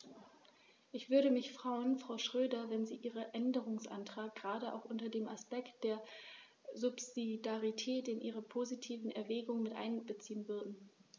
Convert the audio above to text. Ich würde mich freuen, Frau Schroedter, wenn Sie diesen Änderungsantrag gerade auch unter dem Aspekt der Subsidiarität in Ihre positiven Erwägungen mit einbeziehen würden.